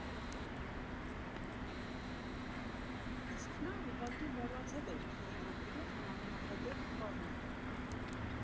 Իսկ նա ուղղակի մոռացել էր, քանի որ գլուխն աննախադեպ խառն էր։